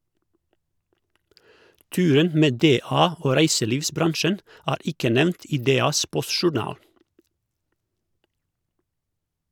Turen med DA og reiselivsbransjen er ikke nevnt i DAs postjournal.